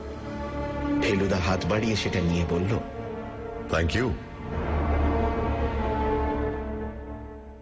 ফেলুদা হাত বাড়িয়ে সেটা নিয়ে বলল থ্যাঙ্ক ইউ